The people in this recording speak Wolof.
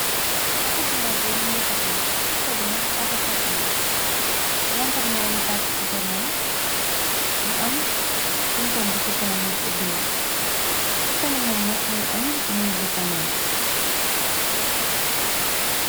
Auto bu ndaw bi më ngi taxaw auto bi nag ato taxi la lampam yangi tàkk ci garna mu am buntomb ci kana mangir obeku ci kana mam nak mungi am néeg bu fa neek.